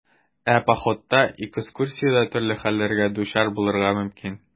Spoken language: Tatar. Ә походта, экскурсиядә төрле хәлләргә дучар булырга мөмкин.